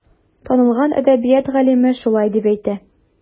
Танылган әдәбият галиме шулай дип әйтә.